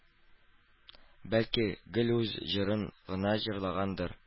Бәлки, гел үз җырын гына җырлагандыр